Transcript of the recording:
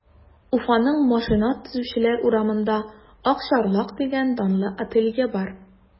Уфаның Машина төзүчеләр урамында “Акчарлак” дигән данлы ателье бар.